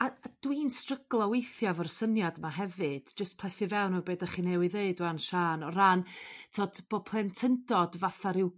A a dw i'n stryglo weithia' fo'r syniad 'ma hefyd jyst plethu fewn o be' dych chi newy ddweud 'ŵan Siân o ran t'od bo plentyndod fatha rhyw